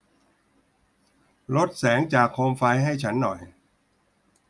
ลดแสงจากโคมไฟให้ฉันหน่อย